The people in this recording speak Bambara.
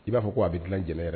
I b'a fɔ ko a bɛ dilan jɛnɛ yɛrɛ